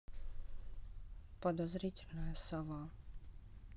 подозрительная сова